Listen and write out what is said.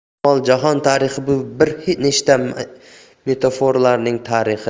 ehtimol jahon tarixi bu bir nechta metaforalarning tarixi